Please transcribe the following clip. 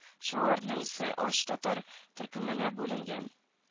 Шуларның се өч татар төркеменә бүленгән